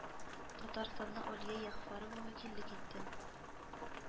Татарстанны Алия Ягъфәрова вәкиллек итте